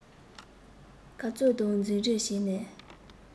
ཁ རྩོད དང འཛིང རེས བྱེད ནས